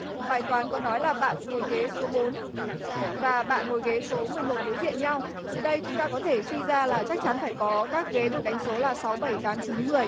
bài toán có nói là bạn ngồi ghế số bốn và bạn ngồi ghế số mười một đối diện nhau từ đây chúng ta có thể suy ra là chắc chắn phải có các ghế được đánh số là sáu bảy tám chín mười